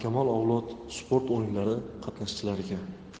sport o'yinlari qatnashchilariga